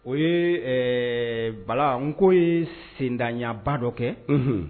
O ye ɛɛ Bala n ko ye sendaɲɛba dɔ kɛ, unhun